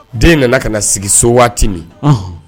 Den nana ka na sigi so waati min